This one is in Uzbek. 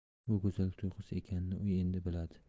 bu go'zallik tuyg'usi ekanini u endi biladi